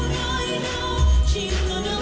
chỉ